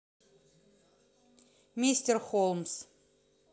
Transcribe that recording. мистер холмс